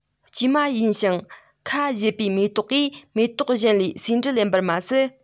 དཀྱུས མ ཡིན ཞིང ཁ བཞད པའི མེ ཏོག གིས མེ ཏོག གཞན ལས ཟེའུ འབྲུ ལེན པ མ ཟད